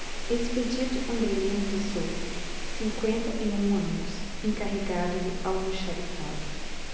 expedito andrelino de souza cinquenta e um anos encarregado de almoxarifado